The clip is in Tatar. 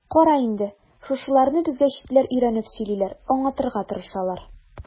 Кара инде, шушыларны безгә читләр өйрәнеп сөйлиләр, аңлатырга тырышалар.